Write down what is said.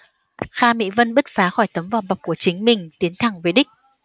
kha mỹ vân bứt phá khỏi tấm vỏ bọc của chính mình tiến thẳng về đích